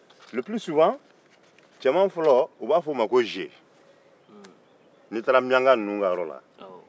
a ka ca la u b'a fɔ cɛman fɔlɔ ma ko ziye